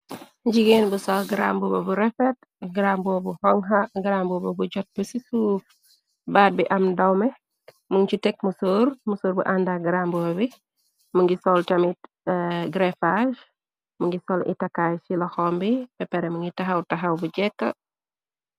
Jigéen bu sol grambuba bu refet grambo bu honka gramboba bu jot bi ci suuf baat bi am ndawme mung ci tekk mësoor mësoor bu ànda gramboo bi mu ngi sol tamit grefage mu ngi sol itakaay filoxom bi peppare mu ngi taxaw taxaw bu jekk.